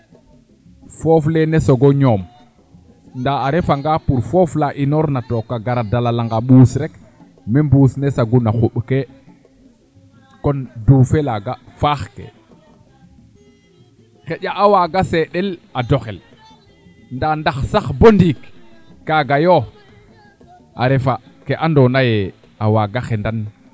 foof leene soogo ñoow nda a ref nga pour foof la inoor na tooka gara dala laŋ puus rek me mbuus ne saguna xuɓkee kon dufe laaga faax ke xaƴa a waaga seendel a doxel nda ndax sax boo ndiik kaaga yo a refa ke ando naye a waaga xendan